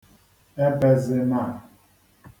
ebezina